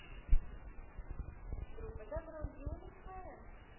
группа dabro юность моя